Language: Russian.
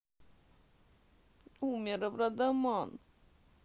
умер в рамадан